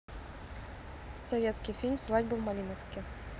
советский фильм свадьба в малиновке